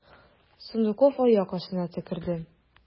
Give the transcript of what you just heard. Сундуков аяк астына төкерде.